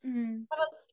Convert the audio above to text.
Hmm. A fel